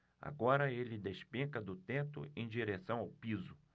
agora ele despenca do teto em direção ao piso